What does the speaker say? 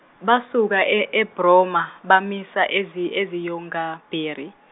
basuka e Ebrona bamisa ezi- Eziyongabheri.